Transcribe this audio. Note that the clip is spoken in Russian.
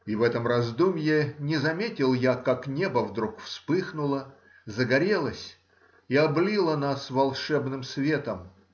И в этом раздумье не заметил я, как небо вдруг вспыхнуло, загорелось и облило нас волшебным светом